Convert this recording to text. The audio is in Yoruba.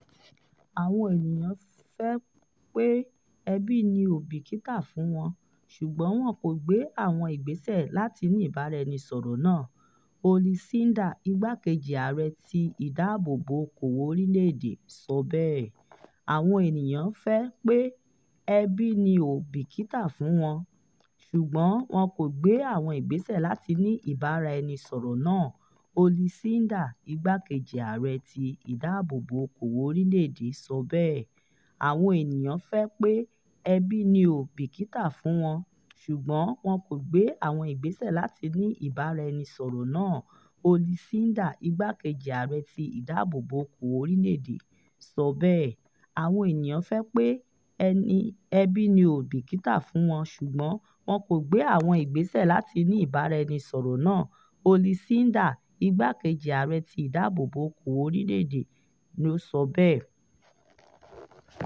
"Àwọn ènìyàn fẹ́ pé ẹbí ni ò bìkítà fún wọn, ṣùgbọ́n wọn kò gbé àwọn ìgbésẹ̀ láti ní ìbáraẹnisọ̀rọ̀ náà," Holly Snyder, igbákejì ààrẹ tí ìdábòbò okowo orilẹ̀-èdè, sọ bẹ́ẹ̀.